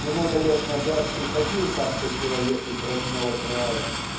много лет назад приходил как-то человек из родного края